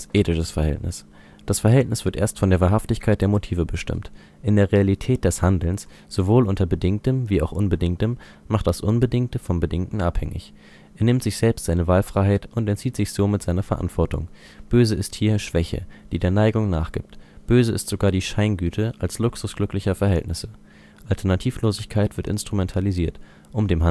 Ethisches Verhältnis: Das Verhältnis wird erst von der Wahrhaftigkeit der Motive bestimmt. In der Realität des Handelns sowohl unter Bedingtem wie auch Unbedingtem macht das Unbedingte vom Bedingten abhängig. Er nimmt sich selbst seine Wahlfreiheit und entzieht sich somit seiner Verantwortung. Böse ist hier Schwäche, die der Neigung nachgibt. Böse ist sogar die Scheingüte als Luxus glücklicher Verhältnisse. Alternativlosigkeit wird instrumentalisiert, um dem